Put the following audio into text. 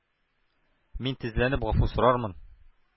Мин тезләнеп гафу сорармын.